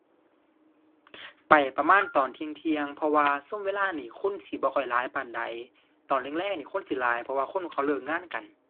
ไปประมาณตอนเที่ยงเที่ยง เพราะว่าซุมเวลานี้ คนสิบ่ค่อยหลายปานใด ตอนแลงแลงนี่คนสิหลาย เพราะว่าคนเขาเลิกงานกัน